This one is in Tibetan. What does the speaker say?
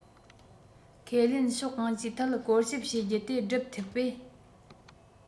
ཁས ལེན ཕྱོགས གང ཅིའི ཐད སྐོར ཞིབ བྱེད རྒྱུ དེ སྒྲུབ ཐུབ པས